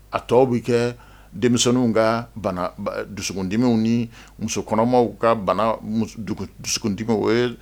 A tɔw bɛ kɛ denmisɛnw ka dusugdimiw ni musokɔnɔmaw ka dusugdi o ye